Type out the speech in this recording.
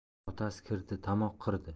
otasi kirdi tomoq qirdi